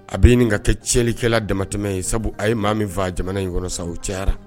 A bɛ nin ka kɛ cɛlikɛla damatɛmɛ ye sabu a ye maa min faa jamana in kɔnɔ sa cɛyara